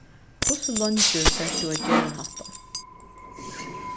hvussu leingi fert tú at gera hatta